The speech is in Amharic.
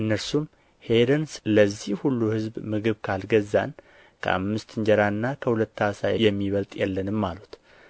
እነርሱም ሄደን ለዚህ ሁሉ ሕዝብ ምግብ ካልገዛን ከአምስት እንጀራና ከሁለት ዓሣ የሚበልጥ የለንም አሉት